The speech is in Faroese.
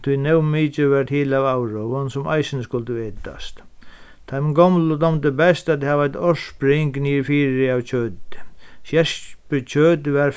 tí nóg mikið var til av avroðum sum eisini skuldu etast teimum gomlu dámdi best at hava eitt ársspring niðurfyri av kjøti skerpikjøt var